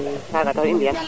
mais ana ɗoma de wala